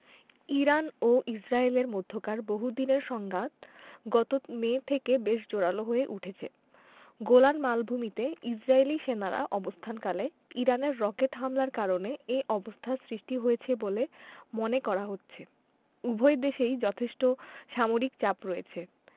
Iran ও ইসরায়েলের মধ্যকার বহুদিনের সংঘাত গত মে থেকে বেশ জোরালো হয়ে উঠেছে গোলান মালভূমিতে ইসরায়েলি সেনারা অবস্থানকালে ইরানের রকেট হামলার কারণে এ অবস্থার সৃষ্টি হয়েছে বলে মনে করা হচ্ছে উভয় দেশেই যথেষ্ট সামরিক চাপ রয়েছে